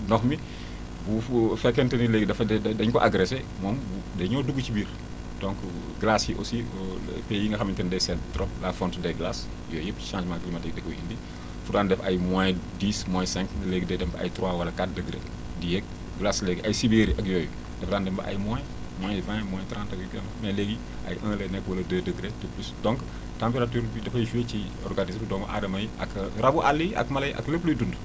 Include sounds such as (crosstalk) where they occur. ndox mi (breath) bu bu fekkente ni léegi dafa de da dañu ko agressé moom bu day ñëw dugg ci biir donc glace yi aussi (hesitation) pays yi nga xamante ni day * trop la fonte des glaces yooyu yëpp changement climatique dakoy indi (breath) fu daan def ay moins 10 moins 5 léegi day dem ba ay 3 wala 4 degré di yéeg glace léegi ay si biir ak yooyu dafa daan dem ba ay moins moins 20 moins 30 ak yu kenn mais léegi ay 1 lay nekk wala 2 degré ou plus donc température dafay joué ci organisme doomu aadama yi ak rabu àll yi ak mala yi ak lépp luy dund